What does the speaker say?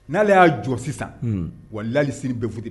N'ale y'a jɔ sisan wa lalisiri bɛfu